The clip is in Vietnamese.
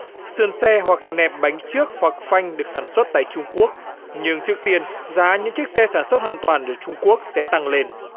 sườn xe hoặc nẹp bánh trước hoặc phanh được sản xuất tại trung quốc nhưng trước tiên giá những chiếc xe sản xuất hoàn toàn ở trung quốc sẽ tăng lên